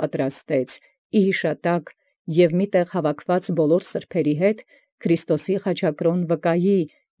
պատուականաւք՝ ի յիշատակարան սեղանոյն կենդանարար մարմնոյ և արեանն Քրիստոսի պատրաստեալ, և ամենայն սրբովք ի միասին գումարելովք զմարմին խաչակրաւն վկային Քրիստոսի,